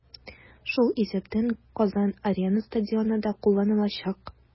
Шул исәптән "Казан-Арена" стадионы да кулланылачак.